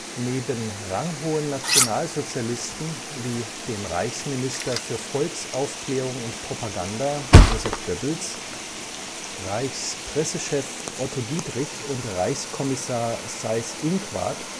Neben ranghohen Nationalsozialisten wie dem Reichsminister für Volksaufklärung und Propaganda Joseph Goebbels, Reichspressechef Otto Dietrich und Reichskommissar Seyß-Inquart